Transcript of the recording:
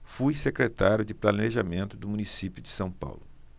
foi secretário de planejamento do município de são paulo